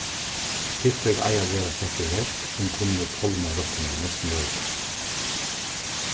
tiltøk eiga at verða sett í verk sum kunnu tálma rottuni mest møguligt